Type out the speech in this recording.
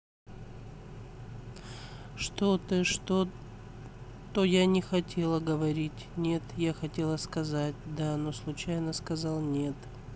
что ты что то я не хотела говорить нет я хотела сказать да но случайно сказал нет